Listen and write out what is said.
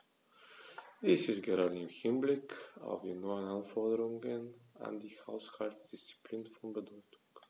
Dies ist gerade im Hinblick auf die neuen Anforderungen an die Haushaltsdisziplin von Bedeutung.